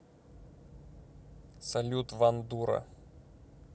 салют ван дура